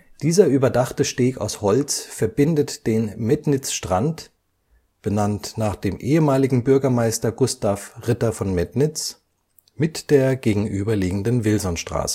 Dieser überdachte Steg aus Holz verbindet den Metnitzstrand – benannt nach dem ehemaligen Bürgermeister Gustav Ritter von Metnitz – mit der gegenüberliegenden Wilsonstraße